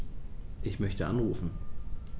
Ich möchte anrufen.